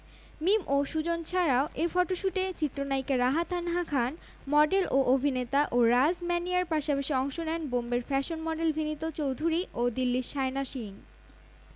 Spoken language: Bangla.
চলচ্চিত্রটির নির্মাতা সোহেল রানা বয়াতি গার্মেন্টস খাত জাতীয় আয়ের একটি বিশাল অংশ সরবারহ করে কিন্তু যেসব কর্মীরা এই আয় করে তাদের জীবন স্বাভাবিক ভাবে চলে না